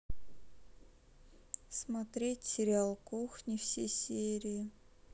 смотреть сериал кухня все серии